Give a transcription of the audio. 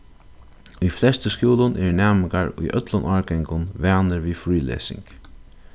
í flestu skúlum eru næmingar í øllum árgangum vanir við frílesing